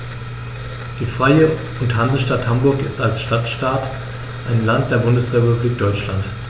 Die Freie und Hansestadt Hamburg ist als Stadtstaat ein Land der Bundesrepublik Deutschland.